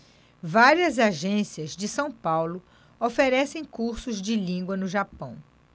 várias agências de são paulo oferecem cursos de língua no japão